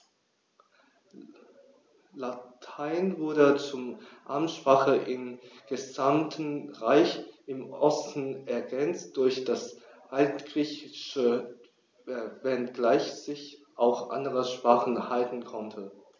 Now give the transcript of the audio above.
Latein wurde zur Amtssprache im gesamten Reich (im Osten ergänzt durch das Altgriechische), wenngleich sich auch andere Sprachen halten konnten.